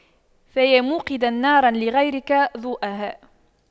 فيا موقدا نارا لغيرك ضوؤها